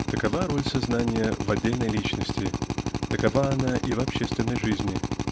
Такова роль сознания в отдельной личности такова она и в общественной жизни